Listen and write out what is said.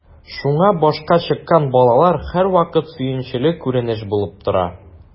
Шуңа “башка чыккан” балалар һәрвакыт сөенечле күренеш булып тора.